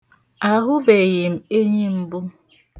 Ahụbeghị m enyi mbụ.